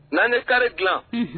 Naani ni kari dilan